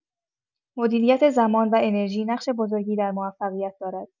مدیریت زمان و انرژی نقش بزرگی در موفقیت دارد.